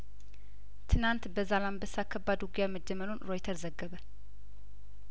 ትናንት በዛላንበሳ ከባድ ውጊያ መጀመሩን ሮይተር ዘገበ